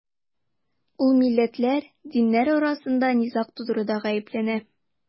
Ул милләтләр, диннәр арасында низаг тудыруда гаепләнә.